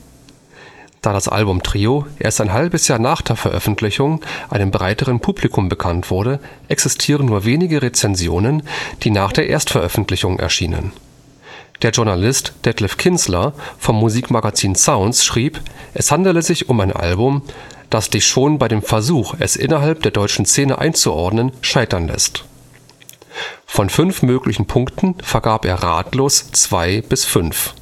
das Album Trio erst ein halbes Jahr nach Veröffentlichung einem breiterem Publikum bekannt wurde, existieren nur wenige Rezensionen, die nach der Erstveröffentlichung erschienen. Der Journalist Detlef Kinsler vom Musikmagazin Sounds schrieb, es handele sich um ein Album, „ das dich schon bei dem Versuch, es innerhalb der deutschen Szene ‚ einzuordnen ‘, scheitern lässt. “Von fünf möglichen Punkten vergab er „ ratlos “zwei bis fünf